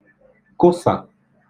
kụsà